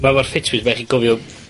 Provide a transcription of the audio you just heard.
ma' ma'r Fitbit fel chi gofio